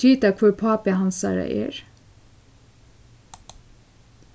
gita hvør pápi hansara er